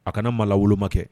A kana maa woloma kɛ